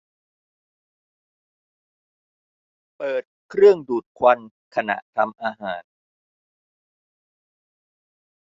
เปิดเครื่องดูดควันขณะทำอาหาร